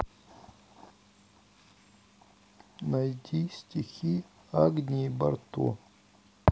найди стихи агнии барто